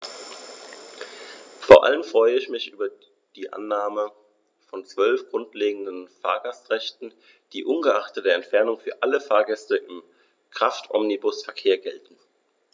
Vor allem freue ich mich über die Annahme von 12 grundlegenden Fahrgastrechten, die ungeachtet der Entfernung für alle Fahrgäste im Kraftomnibusverkehr gelten.